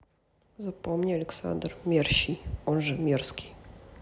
запомни александр мерщий он же мерзкий